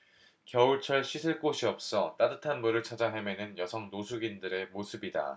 겨울철 씻을 곳이 없어 따뜻한 물을 찾아 헤매는 여성 노숙인들의 모습이다